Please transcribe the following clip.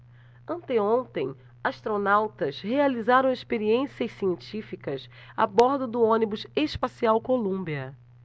anteontem astronautas realizaram experiências científicas a bordo do ônibus espacial columbia